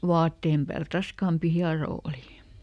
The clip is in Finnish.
vaatteen päältä raskaampi hieroa oli